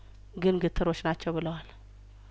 ግን ግትሮች ናቸው ብለዋል